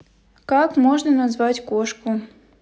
как можно назвать кошку